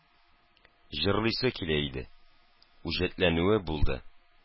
Җырлыйсы килә иде, үҗәтләнүе булды